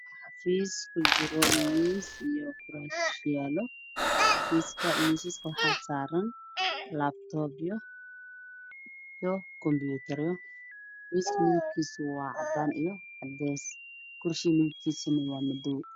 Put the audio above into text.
Waa xafiis waxaa ku jira kuraas iyo miisaas waxaa saaran laabtoobiyo xargahooda ku xiriiraan darbiga wadaan xargahooda ku xiriiraan darbiga wadaan